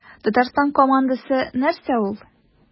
Татарстан командасы нәрсә ул?